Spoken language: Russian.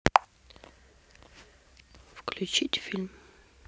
включить фильм